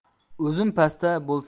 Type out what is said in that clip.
o'zim pasmanda bo'lsam